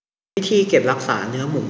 วิธีเก็บรักษาเนื้อหมู